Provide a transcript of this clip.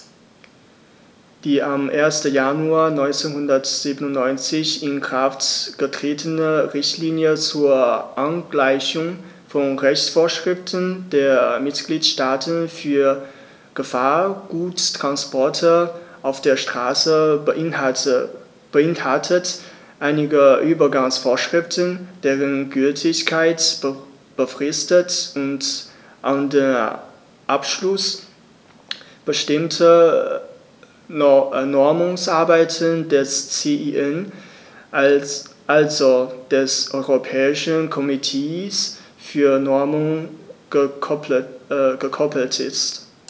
Die am 1. Januar 1997 in Kraft getretene Richtlinie zur Angleichung von Rechtsvorschriften der Mitgliedstaaten für Gefahrguttransporte auf der Straße beinhaltet einige Übergangsvorschriften, deren Gültigkeit befristet und an den Abschluss bestimmter Normungsarbeiten des CEN, also des Europäischen Komitees für Normung, gekoppelt ist.